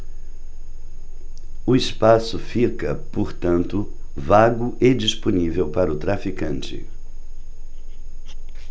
o espaço fica portanto vago e disponível para o traficante